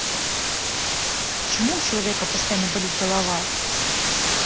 почему у человека постоянно болит голова